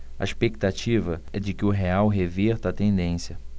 a expectativa é de que o real reverta a tendência